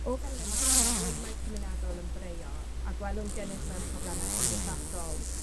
O ganlyniad, ma' rwymau cymunedol yn breuo a gwelwn gynnydd mewn probleme cymdeithasol